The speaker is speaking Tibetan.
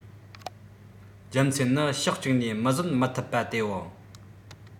རྒྱུ མཚན ནི ཕྱོགས གཅིག ནས མི བཟོད མི ཐུབ པ དེའོ